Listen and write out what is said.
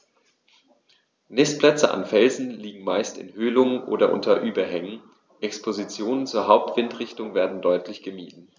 Nistplätze an Felsen liegen meist in Höhlungen oder unter Überhängen, Expositionen zur Hauptwindrichtung werden deutlich gemieden.